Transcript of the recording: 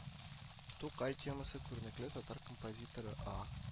Тукай темасы күренекле татар композиторы А